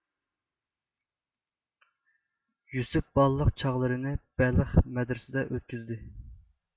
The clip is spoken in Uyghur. يۈسۈپ بالىلىق چاغلىرىنى بەلخ مەدرىسىدە ئۆتكۈزدى